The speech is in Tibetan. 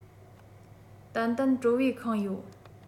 ཏན ཏན སྤྲོ བས ཁེངས ཡོད